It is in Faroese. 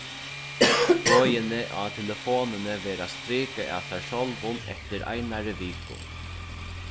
boðini á telefonini verða strikað av sær sjálvum eftir einari viku